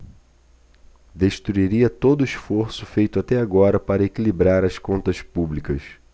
destruiria todo esforço feito até agora para equilibrar as contas públicas